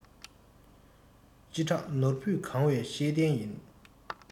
བཅུ ཕྲག ནོར བུས གང བའི ཤེས ལྡན ཡིན